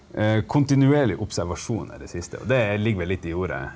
kontinuerlig observasjon er det siste, og det ligger vel litt i ordet.